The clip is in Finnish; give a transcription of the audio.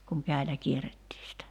kun käsillä kierrettiin sitä